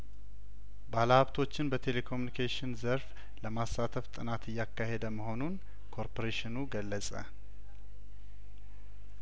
ባለሀብቶችን በቴሌኮሙኒኬሽን ዘርፍ ለማሳተፍ ጥናት እያካሄደ መሆኑን ኮርፖሬሽኑ ገለጸ